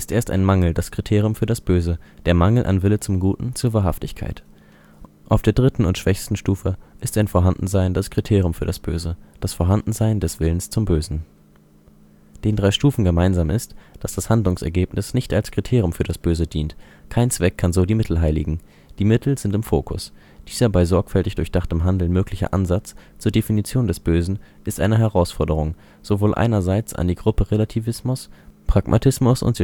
erst ein Mangel das Kriterium für das Böse: der Mangel an Wille zum Guten, zur Wahrhaftigkeit. Auf der dritten und schwächsten Stufe ist ein Vorhandensein das Kriterium für das Böse: das Vorhandensein des Willens zum Bösen. Den drei Stufen gemeinsam ist, dass das Handlungsergebnis nicht als Kriterium für das Böse dient. Kein Zweck kann so die Mittel heiligen. Die Mittel sind im Fokus. Dieser bei sorgfältig durchdachtem Handeln mögliche Ansatz zur Definition des Bösen ist eine Herausforderung sowohl einerseits an die Gruppe Relativismus, Pragmatismus und